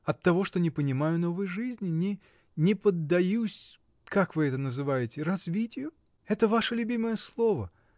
От того, что не понимаю новой жизни, не. не поддаюсь. как вы это называете. развитию? Это ваше любимое слово.